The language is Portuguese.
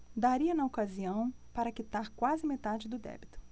daria na ocasião para quitar quase metade do débito